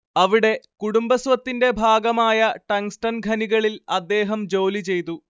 അവിടെ കുടുംബസ്വത്തിന്റെ ഭാഗമായ ടങ്ങ്സ്ടൻ ഖനികളിൽ അദ്ദേഹം ജോലിചെയ്തു